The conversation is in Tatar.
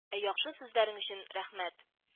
Ә яхшы сүзләрең өчен рәхмәт